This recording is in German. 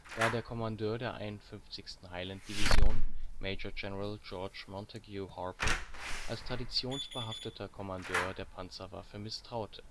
da der Kommandandeur der 51. Highland Division, Major General George Montague Harper, als traditionsbehafteter Kommandeur der Panzerwaffe misstraute